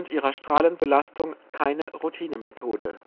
ihrer Strahlenbelastung keine Routinemethode